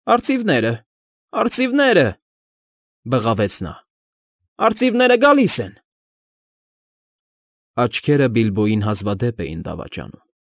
Արծիվնե՜րը… Արծիվնե՜րը…֊ բղավեց նա։֊ Արծիվները գալիս են… Աչքերը Բիլբոյին հազվադեպ էին դավաճանում։